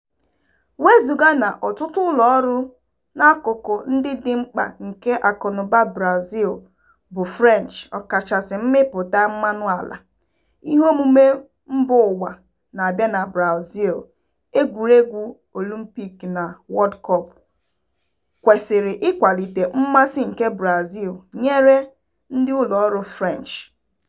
Wezuga na ọtụtụ ụlọọrụ n'akụkụ ndị dị mkpa nke akụnaụba Brazil bụ French (ọkachasị mmịpụta mmanụ ala), iheomume mbaụwa na-abịa na Brazil (Egwuregwu Olympic na World Cup) kwesịrị ịkwalite mmasị nke Brazil nyere ndị ụlọọrụ French.